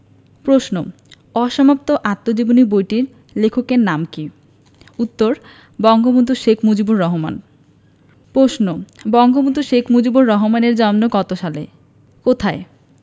প্রশ্ন অসমাপ্ত আত্মজীবনী বইটির লেখকের নাম কী উত্তর বঙ্গবন্ধু শেখ মুজিবুর রহমান প্রশ্ন বঙ্গবন্ধু শেখ মুজিবুর রহমানের জন্ম কত সালে কোথায়